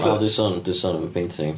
O dwi'n sôn am, dwi'n son am y paintings.